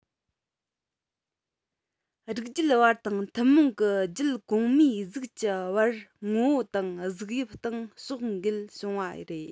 རིགས རྒྱུད བར དང ཐུན མོང གི རྒྱུད གོང མའི གཟུགས ཀྱི བར ངོ བོ དང གཟུགས དབྱིབས སྟེང ཕྱོགས འགལ བྱུང བ རེད